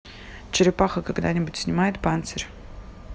черепаха когда нибудь снимает панцирь